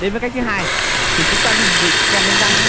đến với cách thứ thì chúng ta sẽ sử dụng kem đánh răng